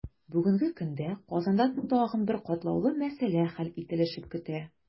Бүгенге көндә Казанда тагын бер катлаулы мәсьәлә хәл ителешен көтә.